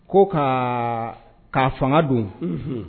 Ko ka k'a fanga don